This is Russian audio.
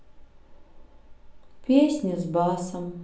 песня с басом